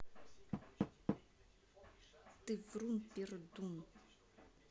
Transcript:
ты врун пердун